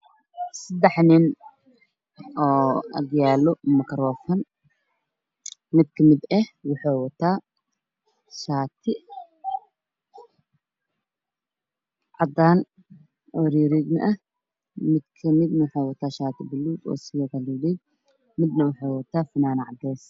Waxaa ii muuqda afar nin oo agtaagan makrafoon ka waxa ayna wataan mid shaar madow mid kale shar bulugan mid kale shaar cad mid kale fanaanad caddees ah